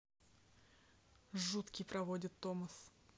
жуткий проводит томас